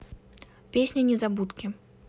песня незабудки